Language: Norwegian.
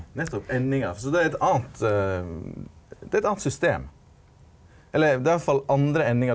nettopp endingar så det er eit anna det er eit anna system, eller det er i alle fall andre endingar.